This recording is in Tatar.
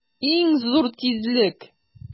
Иң зур тизлек!